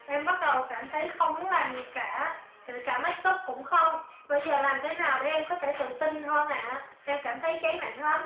em bắt đầu cảm thấy không muốn làm gì cả kể cả makeup cũng không bây giờ làm thế nào để em có thể tự tin hơn ạ em cảm thấy chán nản lắm